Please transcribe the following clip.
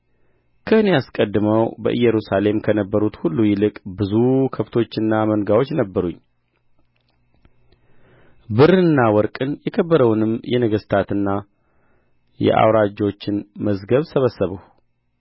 ከእኔ አስቀድመው በኢየሩሳሌም ከነበሩት ሁሉ ይልቅ ብዙ ከብቶችና መንጋዎች ነበሩኝ ብርንና ወርቅን የከበረውንም የነገሥታትና የአውራጆችን መዝገብ ሰበሰብሁ